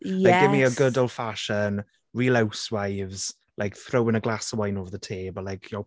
Yes ...Like give me a good old fashion, real housewives like throwing a glass of wine over the table, like you know...